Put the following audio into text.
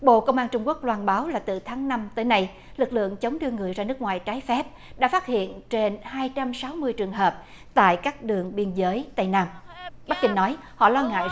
bộ công an trung quốc loan báo là từ tháng năm tới nay lực lượng chống đưa người ra nước ngoài trái phép đã phát hiện trên hai trăm sáu mươi trường hợp tại các đường biên giới tây nam bắc kinh nói họ lo ngại